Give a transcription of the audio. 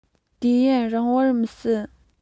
དུས ཡུན རིང བོར མི སྲིད